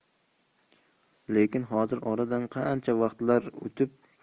lekin hozir oradan qancha vaqtlar o'tib